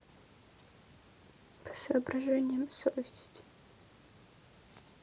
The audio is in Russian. по соображениям совести